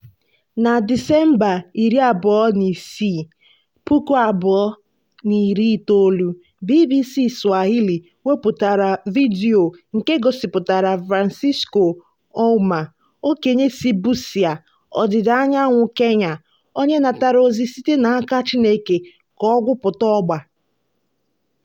Na Disemba 26, 2019, BBC Swahili wepụtara vidiyo nke gosipụtara Francisco Ouma, okenye si Busia, ọdịda anyanwụ Kenya, onye natara ozi sitere n'aka Chineke ka ọ gwupụta ọgba.